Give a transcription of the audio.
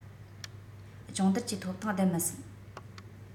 སྦྱོང བརྡར གྱི ཐོབ ཐང ལྡན མི འདུག